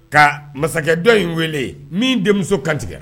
Ka masakɛ dɔ in weele min denmuso kantigɛ